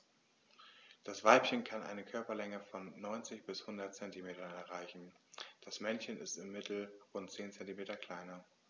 Das Weibchen kann eine Körperlänge von 90-100 cm erreichen; das Männchen ist im Mittel rund 10 cm kleiner.